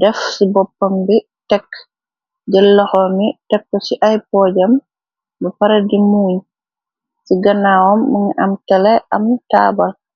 def ci boppam bi tekk jëllaxo mi tekk ci ay poojam ba paradi muuñ ci ganaawam minga am tele am taabal